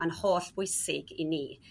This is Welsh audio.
ma'n hollbwysig i ni